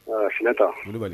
Aa si tanbali